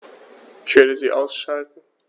Ich werde sie ausschalten